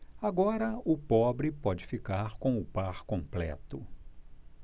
agora o pobre pode ficar com o par completo